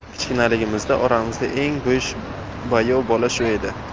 kichkinaligimizda oramizda eng bo'sh bayov bola shu edi